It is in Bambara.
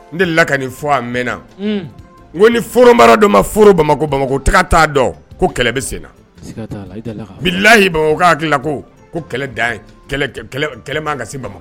Ne deli la ka nin fɔ a mɛnna , unhun, ko ni foronbara dɔ ma foron Bamakɔ, sika t'a la, ko Bamakɔka t'a dɔn ko kɛlɛ bɛ senna billahi u hakili ko ko kɛlɛ dan ye kɛlɛ kɛlɛ man kan ka se Bamakɔ yan